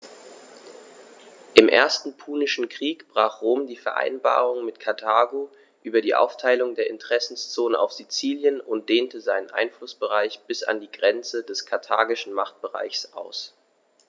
Im Ersten Punischen Krieg brach Rom die Vereinbarung mit Karthago über die Aufteilung der Interessenzonen auf Sizilien und dehnte seinen Einflussbereich bis an die Grenze des karthagischen Machtbereichs aus.